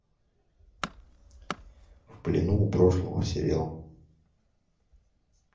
в плену у прошлого сериал